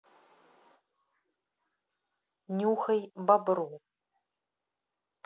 нюхай бобру